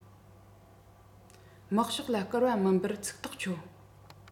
དམག ཕྱོགས ལ བསྐུར བ མིན པར ཚིག ཐག བཅད ཆོག